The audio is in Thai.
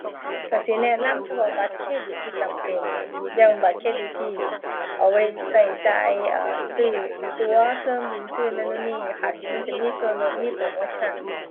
ก็สิแนะนำเฉพาะบัตรเครดิตที่จำเป็น อย่างบัตรเครดิตที่เอาไว้ก็จ่าย เอ่อ ซื้อตั๋วเครื่องบิน ซื้อนั้นโน้นนี้ค่ะ ที่มันจะมีส่วนลด มีโปรโมชัน